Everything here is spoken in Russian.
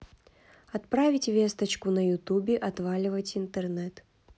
отправить весточку на ютубе отваливать интернет